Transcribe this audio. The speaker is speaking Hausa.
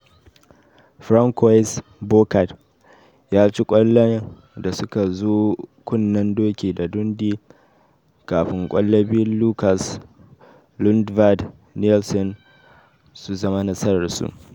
Francois Bouchard ya ci kwallon da suka zo kunnen doki da Dundee kafin kwallo biyun Lucas Lundvald Nielsen su zama nasarar su.